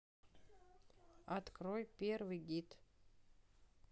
открой первый гид